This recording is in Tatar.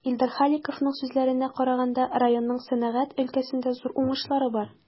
Илдар Халиковның сүзләренә караганда, районның сәнәгать өлкәсендә зур уңышлары бар.